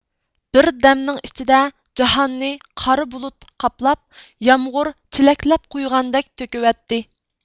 بىردەمنىڭ ئىچىدە جاھاننى قارا بۇلۇت قاپلاپ يامغۇر چېلەكلەپ قۇيغاندەك تۆكۈۋەتتى